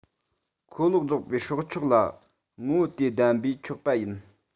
ཁོ ལག རྫོགས པའི སྲོག ཆགས ལ ངོ བོ དེ ལྡན པས ཆོག པ ཡིན